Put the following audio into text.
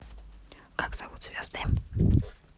как зовут звезды